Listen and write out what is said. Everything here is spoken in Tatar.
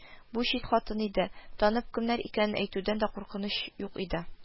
Бу чит хатын иде, танып кемнәр икәнен әйтүдән дә куркыныч юк иде